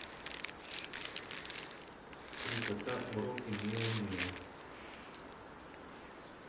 три кота уроки миу миу